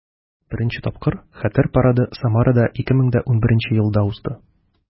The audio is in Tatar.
Беренче тапкыр Хәтер парады Самарада 2011 елда узды.